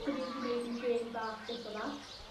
...'dyn ni wedi neud 'yn gêm bach this or that.